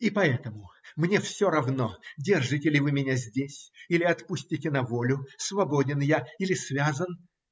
И поэтому мне все равно, держите ли вы меня здесь или отпустите на волю, свободен я или связан.